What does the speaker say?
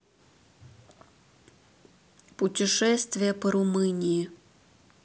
путешествие по румынии